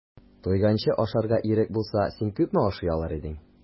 Туйганчы ашарга ирек булса, син күпме ашый алыр идең?